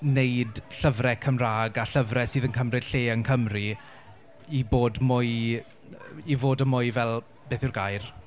Wneud llyfrau Cymraeg a llyfrau sydd yn cymryd lle yn Cymru i bod mwy i fod yn mwy fel, beth yw'r gair?